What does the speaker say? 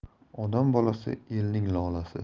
odam bolasi elning lolasi